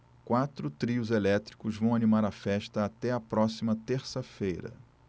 quatro trios elétricos vão animar a festa até a próxima terça-feira